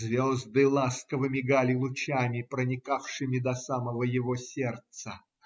Звезды ласково мигали лучами, проникавшими до самого его сердца.